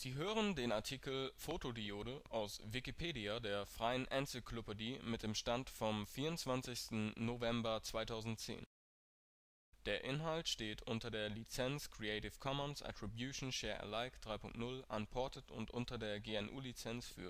hören den Artikel Photodiode, aus Wikipedia, der freien Enzyklopädie. Mit dem Stand vom Der Inhalt steht unter der Lizenz Creative Commons Attribution Share Alike 3 Punkt 0 Unported und unter der GNU Lizenz